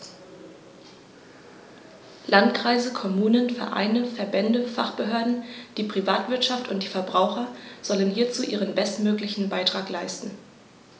Landkreise, Kommunen, Vereine, Verbände, Fachbehörden, die Privatwirtschaft und die Verbraucher sollen hierzu ihren bestmöglichen Beitrag leisten.